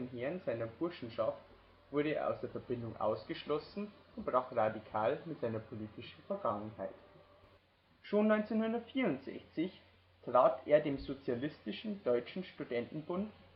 Herrn seiner Burschenschaft wurde er aus der Verbindung ausgeschlossen und brach radikal mit seiner politischen Vergangenheit. Schon 1964 trat er dem Sozialistischen Deutschen Studentenbund